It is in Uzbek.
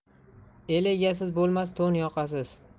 el egasiz bo'lmas to'n yoqasiz